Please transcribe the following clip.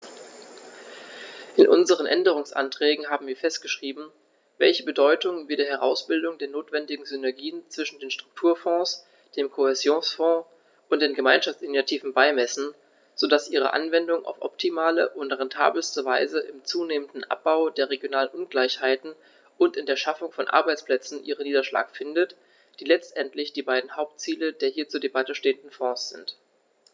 In unseren Änderungsanträgen haben wir festgeschrieben, welche Bedeutung wir der Herausbildung der notwendigen Synergien zwischen den Strukturfonds, dem Kohäsionsfonds und den Gemeinschaftsinitiativen beimessen, so dass ihre Anwendung auf optimale und rentabelste Weise im zunehmenden Abbau der regionalen Ungleichheiten und in der Schaffung von Arbeitsplätzen ihren Niederschlag findet, die letztendlich die beiden Hauptziele der hier zur Debatte stehenden Fonds sind.